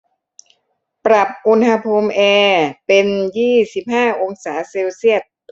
ปรับอุณหภูมิแอร์เป็นยี่สิบห้าองศาเซลเซียส